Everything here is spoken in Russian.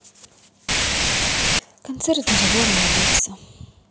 концерт григория лепса